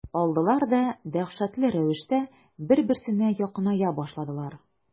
Алдылар да дәһшәтле рәвештә бер-берсенә якыная башладылар.